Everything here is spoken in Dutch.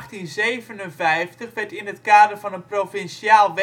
In 1857 werd in het kader van een provinciaal